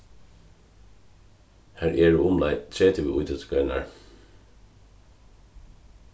har eru umleið tretivu ítróttagreinar